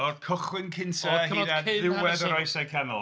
O'r cychwyn cynta hyd at ddiwedd yr oesoedd canol.